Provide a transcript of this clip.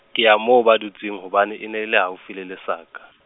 ka ya moo ba dutseng hobane e ne e le haufi le lesaka.